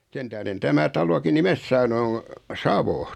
sen tähden tämä talokin nimensä saanut on Savo